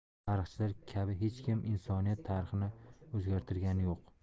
tarixchilar kabi hech kim insoniyat tarixini o'zgartirgani yo'q